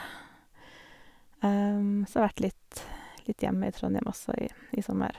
Så vært litt litt hjemme i Trondhjem også i i sommer.